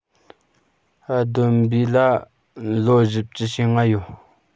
བསྡོམས པས ལ ལོ བཞི བཅུ ཞེ ལྔ ཡོད